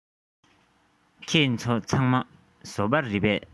ཁྱེད ཚོ ཚང མ བཟོ པ རེད པས